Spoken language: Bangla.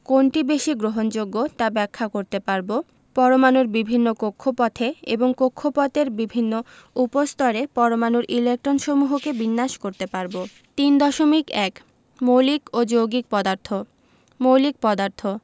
কোনটি বেশি গ্রহণযোগ্য তা ব্যাখ্যা করতে পারব পরমাণুর বিভিন্ন কক্ষপথে এবং কক্ষপথের বিভিন্ন উপস্তরে পরমাণুর ইলেকট্রনসমূহকে বিন্যাস করতে পারব ৩.১ মৌলিক ও যৌগিক পদার্থঃ মৌলিক পদার্থ